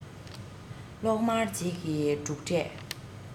གློག དམར རྗེས ཀྱི འབྲུག སྒྲས